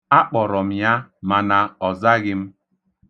Akpọ̀rọ̀ m ya, mànà ọ zaghị m.